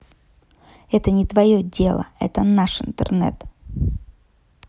это не твое дело это наш интернет